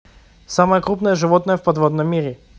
самое крупное животное в подводном мире